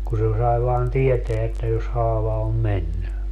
kun se sai vain tietää että jos haava on mennyt